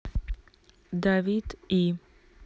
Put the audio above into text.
давид и